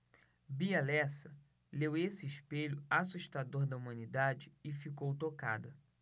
bia lessa leu esse espelho assustador da humanidade e ficou tocada